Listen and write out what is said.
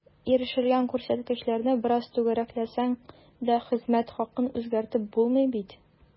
Ирешелгән күрсәткечләрне бераз “түгәрәкләсәң” дә, хезмәт хакын үзгәртеп булмый бит.